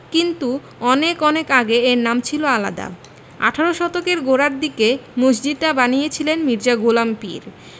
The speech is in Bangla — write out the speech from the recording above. কিন্তু অনেক অনেক আগে এর নাম ছিল আলাদা আঠারো শতকের গোড়ার দিকে মসজিদটা বানিয়েছিলেন মির্জা গোলাম পীর